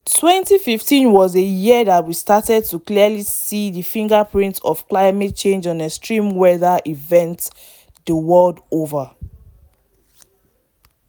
2015 was a year that we started to clearly see the fingerprints of climate change on extreme weather events the world over.